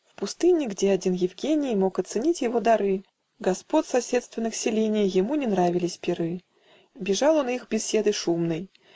В пустыне, где один Евгений Мог оценить его дары, Господ соседственных селений Ему не нравились пиры Бежал он их беседы шумной.